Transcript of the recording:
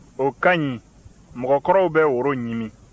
o ka ɲi mɔgɔkɔrɔw bɛ woro ɲimi